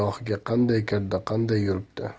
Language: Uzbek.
dargohiga qanday kirdi qanday yuribdi